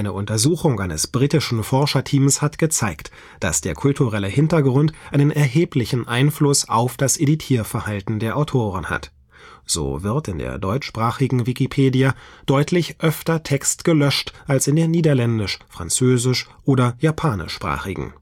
Untersuchung eines britischen Forscherteams hat gezeigt, dass der kulturelle Hintergrund einen erheblichen Einfluss auf das Editierverhalten der Autoren hat. So wird in der deutschsprachigen Wikipedia deutlich öfter Text gelöscht als in der niederländisch -, französisch - oder japanischsprachigen